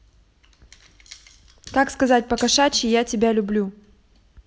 как сказать покошачьи я тебя люблю